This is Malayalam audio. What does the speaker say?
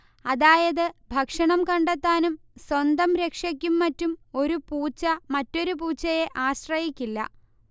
അതായത് ഭക്ഷണം കണ്ടെത്താനും സ്വന്തം രക്ഷയ്ക്കും മറ്റും ഒരു പൂച്ച മറ്റൊരു പൂച്ചയെ ആശ്രയിക്കില്ല